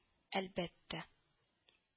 Әлбәттә